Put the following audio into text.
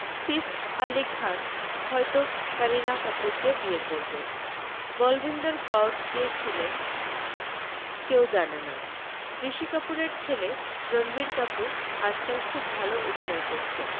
সিফ আলি খান হয়তো করিনা কাপুরকে বিয়ে করবে বলবিন্দর কউর কে ছিলেন কেউ জানে না ঋষি কাপূরের ছেলে রণবীর কাপূর আজকাল খুব ভালো অভিনয় করছে